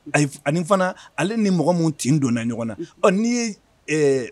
Ani fana ale ni mɔgɔ min tin donna ɲɔgɔn na ɔ n' ye